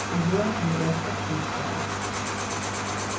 í løtuni er eitt heglingsæl